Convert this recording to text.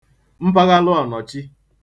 mpaghalụọ̀nọ̀chi